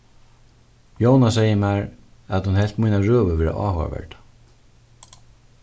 jóna segði mær at hon helt mína røðu vera áhugaverda